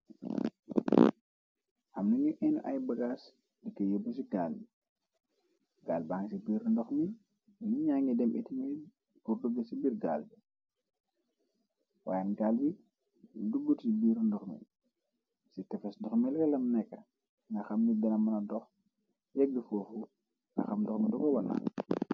Amna ngi jal ay bagaas dika yebbu ci gaal bi, gaal bang ci biir ndox mi, nin ña ngi dem itimi pur dugé ci biir gaal bi, waayen gaal bi duggut ci biira ndox mi, ci tefes dox male lam nekka, nga xamne nit dana mëna dox yegg fooxu, ngaxamne ndox mi dogo wanna.